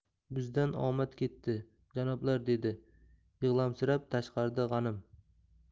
bizdan omad ketdi janoblar dedi yig'lamsirab tashqarida g'anim